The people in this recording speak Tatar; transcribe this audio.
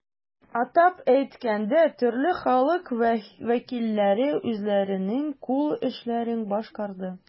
Атап әйткәндә, төрле халык вәкилләре үзләренең кул эшләрен башкарды.